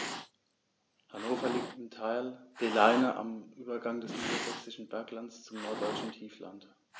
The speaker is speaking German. Hannover liegt im Tal der Leine am Übergang des Niedersächsischen Berglands zum Norddeutschen Tiefland.